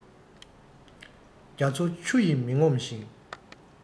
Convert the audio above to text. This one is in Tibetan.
རྒྱ མཚོ ཆུ ཡིས མི ངོམས ཤིང